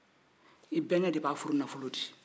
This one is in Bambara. i bɛnkɛ de b'a furu nafolo di